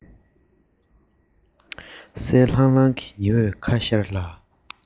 གསལ ལྷང ལྷང གི ཉི འོད ཁ ཤར ལ